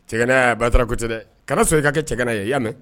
Cɛ ba kotɛ dɛ kana so i ka kɛ cɛ ye ya mɛn